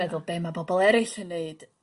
meddwl be' ma' bobol eryll yn neud